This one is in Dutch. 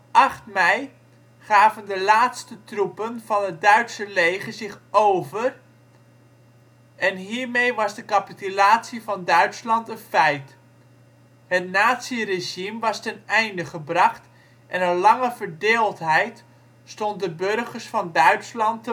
8 mei gaven de laatste troepen van het Duitse leger zich over en hiermee was de capitulatie van Duitsland een feit. Het naziregime was ten einde gebracht en een lange verdeeldheid stond de burgers van Duitsland